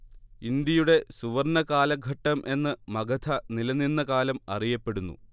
ഇന്ത്യയുടെ സുവർണ്ണ കാലഘട്ടം എന്ന് മഗധ നിലനിന്ന കാലം അറിയപ്പെടുന്നു